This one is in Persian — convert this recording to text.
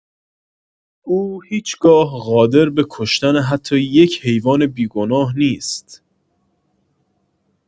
او هیچگاه قادر به کشتن حتی یک حیوان بیگناه نیست.